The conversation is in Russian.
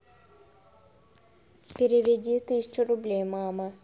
переведи тысячу рублей мама